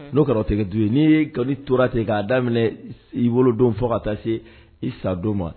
N'o kɛra tɛ don ye n'i ka tora ten k'a daminɛ i wolo don fɔ ka taa se i sadon ma